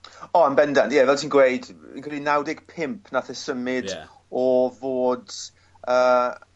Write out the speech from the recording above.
O yn bendant fel ti'n gweud wi'n credu naw deg pump nath e symud... Ie. ...o fod yy